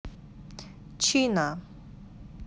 china